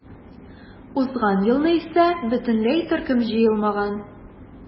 Узган елны исә бөтенләй төркем җыелмаган.